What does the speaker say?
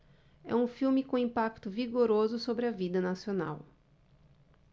é um filme com um impacto vigoroso sobre a vida nacional